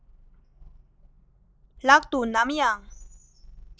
ལག ཏུ ནམ ཡང